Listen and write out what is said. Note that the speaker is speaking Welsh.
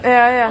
Ia ia.